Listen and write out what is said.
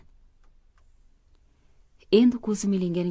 endi ko'zim ilingan ekan